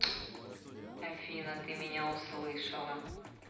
афина ты меня услышала